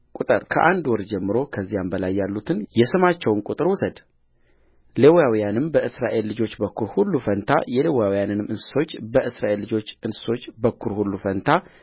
ሌዋውያንንም በእስራኤል ልጆች በኵር ሁሉ ፋንታ የሌዋውያንንም እንስሶች በእስራኤል ልጆች እንስሶች በኵር ሁሉ ፋንታ